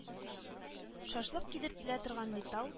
Шашлык кидертелә торган металл